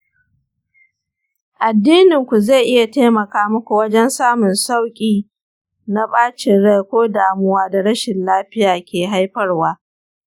addininku zai iya taimaka muku wajen samun sauƙi na bacin rai ko damuwa da rashin lafiya ke haifarwa.